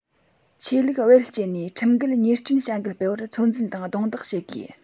ཆོས ལུགས བེད སྤྱད ནས ཁྲིམས འགལ ཉེས སྐྱོན བྱ འགུལ སྤེལ བར ཚོད འཛིན དང རྡུང རྡེག བྱེད དགོས